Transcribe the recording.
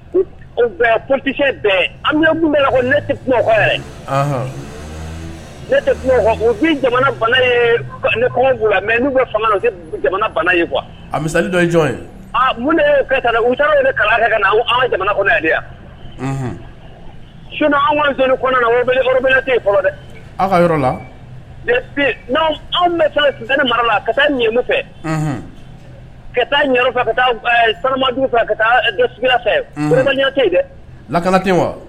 Pse tɛ tɛ jamana mɛ n'u fanga jamanali jɔn ye mun ne' u taara kala ka na jamana so anwni kɔnɛ la yɔrɔ fɔlɔ dɛ aw ka yɔrɔ la n' anw taa mara la ka ɲɛmu fɛ ka taa ɲɛ kama fɛ ka taasigi fɛ ɲɛ yen dɛ lakana ten wa